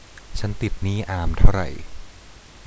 ฉันติดหนี้อามเท่าไร